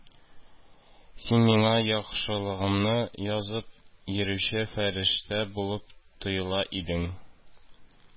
Син миңа яхшылыгымны язып йөрүче фәрештә булып тоела идең